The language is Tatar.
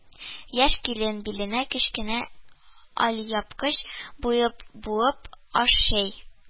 Яшь килен, биленә кечкенә алъяпкыч буып, аш-чәй